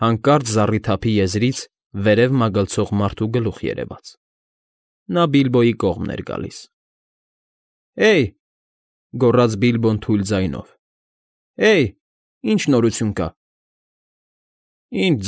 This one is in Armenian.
Հանկարծ զառիթափի եզրից վերև մագլցող մարդու գլուխ երևաց. նա Բիլբոյի կողմն էր գալիս։ ֊ Հե՜յ,֊ գոռաց Բիլբոն թույլ ձայնով։֊ Հե՜յ, ի՛նչ նորություն կա։ ֊ Ի՞նչ։